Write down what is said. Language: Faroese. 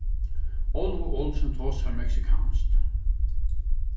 óluva olsen tosar meksikanskt